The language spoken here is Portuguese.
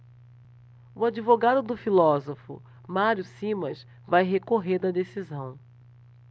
o advogado do filósofo mário simas vai recorrer da decisão